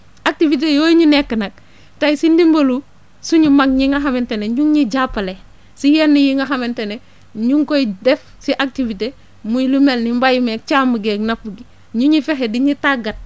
activité yooyu ñu nekk nag tey si ndimbalu suñu mag ñi nga xamante ne ñu ngi ñuy jàppale si yenn yi nga xamante ne ñu ngi koy def si activité muy lu mel ni mbay meeg càmm geeg napp gi ñu ñuy fexe di ñu tàggat